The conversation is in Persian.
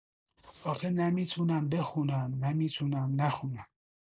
آخه نه می‌تونم بخونم نه می‌تونم نخونم